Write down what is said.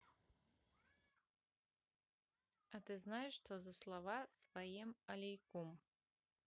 а ты знаешь что за слова своем алейкум